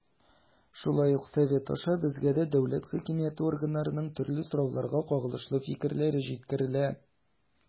Шулай ук Совет аша безгә дә дәүләт хакимияте органнарының төрле сорауларга кагылышлы фикерләре җиткерелә.